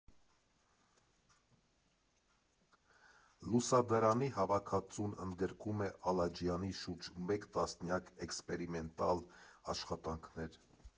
Լուսադարանի հավաքածուն ընդգրկում է Ալաջյանի շուրջ մեկ տասնյակ էքսպերիմենտալ աշխատանքներ։